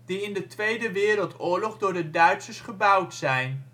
in de Tweede Wereldoorlog door de Duitsers gebouwd zijn